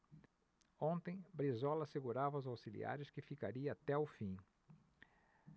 ontem brizola assegurava aos auxiliares que ficaria até o fim